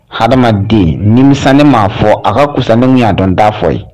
Hadamaden nimisa ne ma fɔ a ka kusa ni n y'a dɔn n t'a fɔ ye.